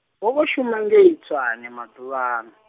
u vho shuma ngei Tshwane maḓuvha ana.